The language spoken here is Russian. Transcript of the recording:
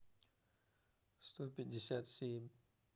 сто пятьдесят семь